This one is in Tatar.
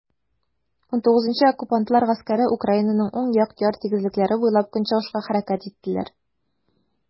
XIX Оккупантлар гаскәре Украинаның уң як яр тигезлекләре буйлап көнчыгышка хәрәкәт иттеләр.